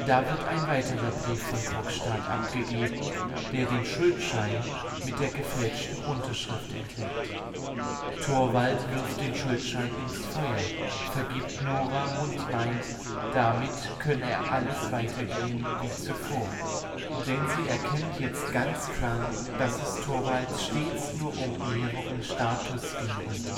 Da wird ein weiterer Brief von Krogstad abgegeben, der den Schuldschein mit der gefälschten Unterschrift enthält. Torvald wirft den Schuldschein ins Feuer, vergibt Nora und meint, damit könne alles weitergehen wie zuvor. Aber Nora ist tief enttäuscht, denn sie erkennt jetzt ganz klar, dass es Torvald stets nur um Ehre und Status ging und